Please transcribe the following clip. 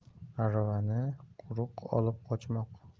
aravani quruq olib qochmoq